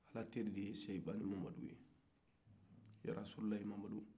ala teri de ye sehibani mamadu ye yarasurulayi mamadu